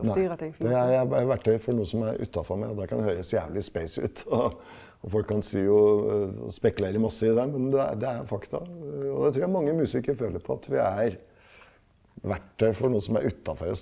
nei jeg er bare verktøyet for noe som er utafor meg, og det kan høres jævlig ut og og folk kan si å spekulere masse i det, men det er det er fakta, og det trur jeg mange musikere føler på at vi er verktøy for noe som er utafor oss.